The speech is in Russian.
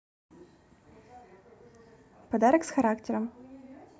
подарок с характером